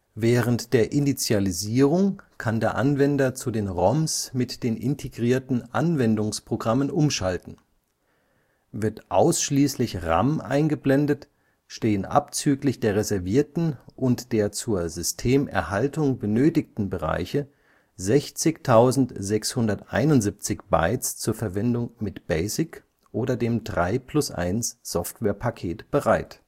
Während der Initialisierung kann der Anwender zu den ROMs mit den integrierten Anwendungsprogrammen umschalten. Wird ausschließlich RAM eingeblendet, stehen abzüglich der reservierten und der zur Systemerhaltung benötigten Bereiche 60.671 Bytes zur Verwendung mit BASIC oder dem 3-plus-1-Softwarepaket bereit